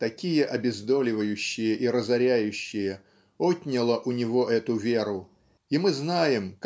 такие обездоливающие и разоряющие отняло у него эту веру и мы знаем